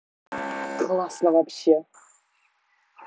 классно вообще